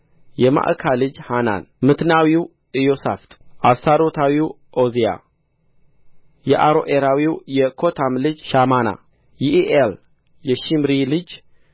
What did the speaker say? የማዕካ ልጅ ሐናን ሚትናዊው ኢዮሣፍጥ አስታሮታዊው ዖዝያ የአሮኤራዊው የኮታም ልጆች ሻማና ይዒኤል የሽምሪ ልጅ ይድኤል ወንድሙም